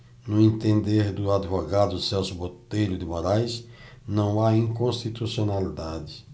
no entender do advogado celso botelho de moraes não há inconstitucionalidade